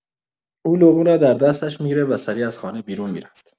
او لقمه را در دستش می‌گرفت و سریع از خانه بیرون می‌رفت.